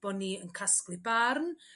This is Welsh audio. bo' ni yn casglu barn